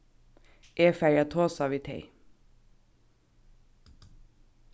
eg fari at tosa við tey